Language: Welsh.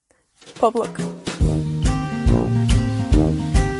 Pob lwc!